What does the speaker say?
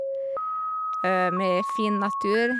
Med fin natur.